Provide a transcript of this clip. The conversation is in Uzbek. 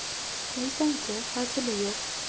qo'ysangchi hazili yo'q